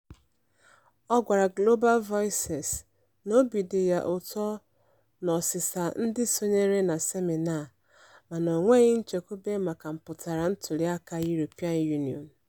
Ọ gwara Global Voices na obi dị ya ụtọ n'ọsịsa ndị sonyere na semịnaa, mana o nweghị nchekwube maka mpụtara ntuliaka EU.